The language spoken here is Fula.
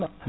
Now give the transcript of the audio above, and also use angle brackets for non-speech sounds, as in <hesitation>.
<hesitation> <hesitation>